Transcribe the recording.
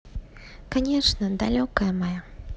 конечно далекая моя